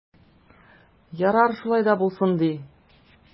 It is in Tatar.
Ярар, шулай да булсын ди.